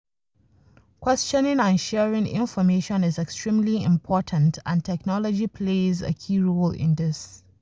Questioning and sharing information is extremely important, and technology plays a key role in this.